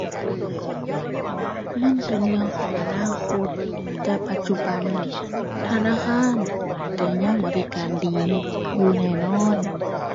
มันเป็นเรื่องของอนาคต แต่ปัจจุบันธนาคารก็ยังบริการดีอยู่แน่นอน